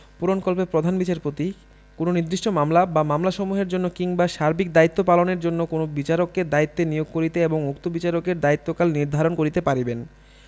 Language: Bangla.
পূরণকল্পে প্রধান বিচারপতি কোন নির্দিষ্ট মামলা বা মামলাসমূহের জন্য কিংবা সার্বিক দায়িত্ব পালনের জন্য কোন বিচারককে দায়িত্বে নিয়োগ করিতে এবং উক্ত বিচারকের দায়িত্বকাল নির্ধারণ করিতে পারিবেন